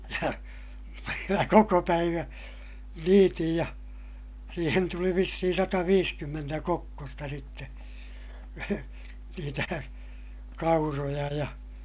ja minä koko päivän niitin ja siihen tuli vissiin sataviisikymmentä kokkosta sitten niitä kauroja ja